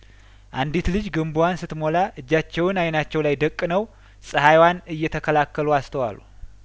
አንዲት ልጅ ገንቦዋን ስትሞላ እጃቸውን አይናቸው ላይ ደቅነው ጸሀይዋን እየተከላከሉ አስተዋሉ